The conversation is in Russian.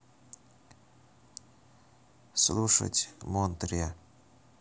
слушать монтре